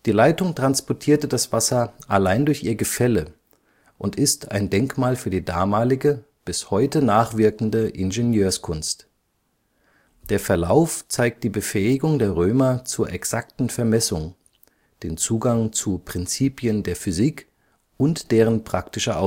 Leitung transportierte das Wasser allein durch ihr Gefälle und ist ein Denkmal für die damalige, bis heute nachwirkende Ingenieurskunst. Der Verlauf zeigt die Befähigung der Römer zur exakten Vermessung, den Zugang zu Prinzipien der Physik und deren praktischer